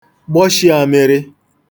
gbọshī āmị̄rị̄